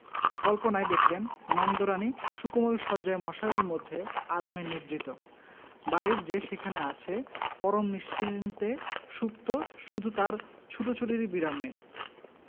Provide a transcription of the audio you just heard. কল্পনায় দেখলেন নন্দরানী সুকোমল শয্যায় মশারির মধ্যে আরামে নিদ্রিত বাড়ির যে সেখানে আছে পরম নিশ্চিন্তে সুপ্ত শুধু তাঁর ছুটোছুটিরই বিরাম নেই